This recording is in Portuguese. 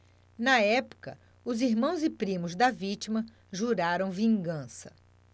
na época os irmãos e primos da vítima juraram vingança